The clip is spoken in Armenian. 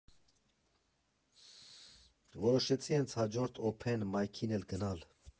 Որոշեցի հենց հաջորդ օփեն մայքին էլ գնալ։